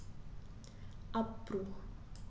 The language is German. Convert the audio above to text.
Abbruch.